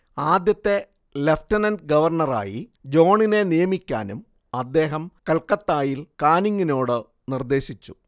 ആദ്യത്തെ ലെഫ്റ്റനന്റ് ഗവർണറായി ജോണിനെ നിയമിക്കാനും അദ്ദേഹം കൽക്കത്തിയിൽ കാനിങ്ങിനോട് നിർദ്ദേശിച്ചു